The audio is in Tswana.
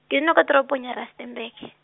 ke nna kwa toropong ya Rustenburg.